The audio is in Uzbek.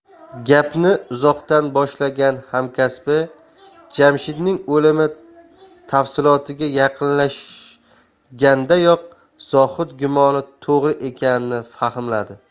gapni uzoqdan boshlagan hamkasbi jamshidning o'limi tafsilotiga yaqinlashgandayoq zohid gumoni to'g'ri ekanini fahmladi